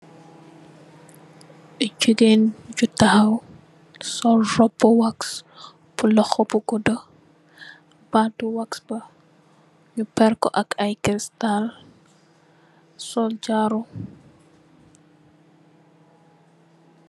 Jigéen ju tahaw sol rob bu wax bu loho bu guddu. Batu wax ba nu pèrr ko ak ay cristal, sol jaaro.